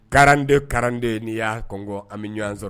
Kaden karanden n'i y'a kɔnɔn an bɛ ɲɔgɔn sɔrɔ